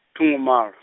tho ngo mala.